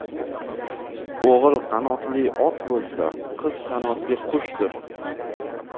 o'g'il qanotli ot bo'lsa qiz qanotli qushdir